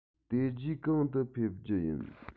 དེ རྗེས གང དུ ཕེབས རྒྱུ ཡིན